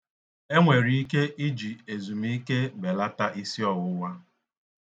E nwere ike iji ezumike belata isiọwụwa.